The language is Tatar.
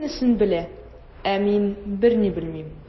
Ул бөтенесен белә, ә мин берни белмим.